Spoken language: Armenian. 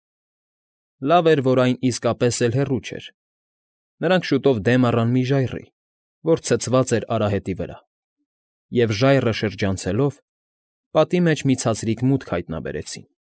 Լավ էր, որ այն իսկապես էլ հեռու չէր. նրանք շուտով դեմ առան մի ժայռի, որ ցցված էր արահետի վրա, և, ժայռը շրջանցելով, պատի մեջ մի ցածրիկ մուտք հայտնաբերեցին։